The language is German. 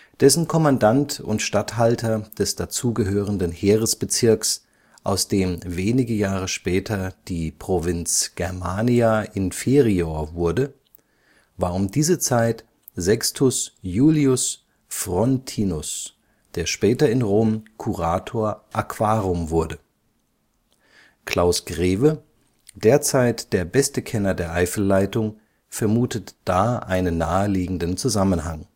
Dessen Kommandant und Statthalter des dazugehörenden Heeresbezirks, aus dem wenige Jahre später die Provinz Germania inferior wurde, war um diese Zeit Sextus Iulius Frontinus, der später in Rom curator aquarum wurde. Klaus Grewe, derzeit der beste Kenner der Eifelleitung, vermutet da einen naheliegenden Zusammenhang